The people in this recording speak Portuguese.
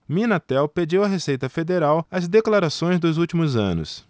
minatel pediu à receita federal as declarações dos últimos anos